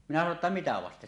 minä sanoin jotta mitä vasten